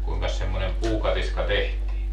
kuinkas semmoinen puukatiska tehtiin